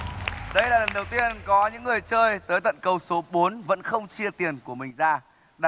đây là lần đầu tiên có những người chơi tới tận câu số bốn vẫn không chia tiền của mình ra đặt